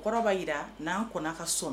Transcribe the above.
Kɔrɔba yi jira n'an kɔnɔ ka so